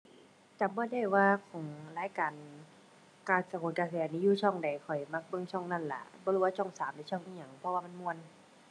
จำบ่ได้ว่าของรายการ โหนกระแสนี่อยู่ช่องใด ข้อยมักเบิ่งช่องนั้นล่ะ บ่รู้ว่าช่องสามหรือช่องอิหยัง เพราะว่ามันม่วน